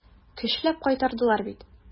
Көчләп кайтардылар бит.